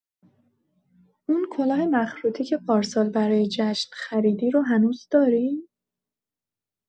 اون کلاه مخروطی که پارسال برای جشن خریدی رو هنوز داری؟